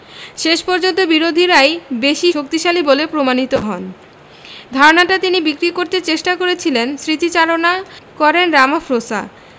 শেষ পর্যন্ত বিরোধীরাই বেশি শক্তিশালী বলে প্রমাণিত হন ধারণাটা তিনি বিক্রি করতে চেষ্টা করেছিলেন স্মৃতিচারণা করেন রামাফ্রোসা